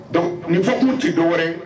Donc nin fɔkun tɛ dɔ wɛrɛ